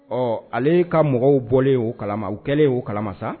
Ɔ ale ka mɔgɔw bɔlen o kala o kɛlen y'u kala sa